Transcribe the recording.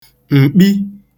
m̀kpi